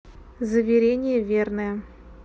заверение верная